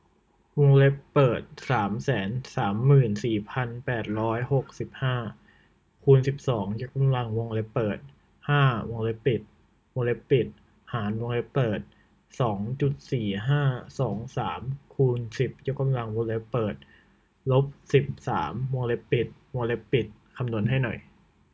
วงเล็บเปิดสามแสนสามหมื่นสี่พันแปดร้อยหกสิบห้าคูณสิบสองยกกำลังวงเล็บเปิดห้าวงเล็บปิดวงเล็บปิดหารวงเล็บเปิดสองจุดสี่ห้าสองสามคูณสิบยกกำลังวงเล็บเปิดลบสิบสามวงเล็บปิดวงเล็บปิดคำนวณให้หน่อย